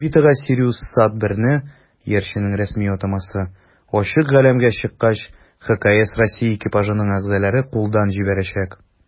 Орбитага "СириусСат-1"ны (иярченнең рәсми атамасы) ачык галәмгә чыккач ХКС Россия экипажының әгъзалары кулдан җибәрәчәк.